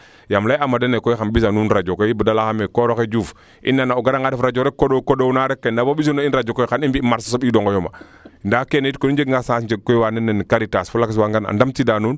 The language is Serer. yaam ley aama dene koy xam mbisa nuun radio koy bada leyeeme kooroxe Diouf i nana o gara nga ref radio rek kondow kondow naa rek ndaa bo mbisoona in radio koy xan mbi marche soɓidinoyo ma ndaa keene yit koy i njega nge sens njeg koy waa nan nena Karitas fo lakas waa ngar na a ndam tiida nuun